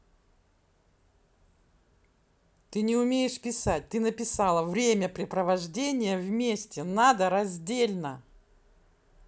ты не умеешь писать ты написала времяпрепровождения вместе надо раздельно